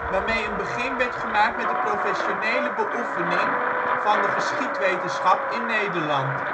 waarmee een begin werd gemaakt met de professionele beoefening van de geschiedwetenschap in Nederland